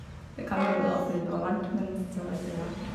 Det kan hende det var fordi det var varmt, men jeg syns det var veldig rart.